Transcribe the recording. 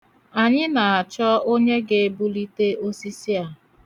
Anyị na-achọ onye ga-ebulite osisi a.